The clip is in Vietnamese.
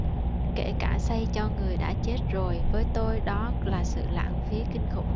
kể cả xây cho người đã chết rồi với tôi đó là sự lãng phí kinh khủng